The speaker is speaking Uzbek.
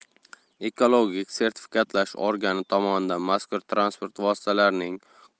ekologik sertifikatlash organi tomonidan mazkur transport vositalarining